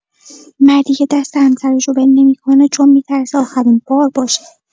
مردی که دست همسرشو ول نمی‌کنه چون می‌ترسه آخرین‌بار باشه.